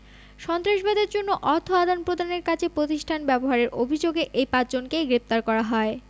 সন্ত্রাসবাদের জন্য অর্থ আদান প্রদানের কাজে প্রতিষ্ঠান ব্যবহারের অভিযোগে এই পাঁচজনকে গ্রেপ্তার করা হয়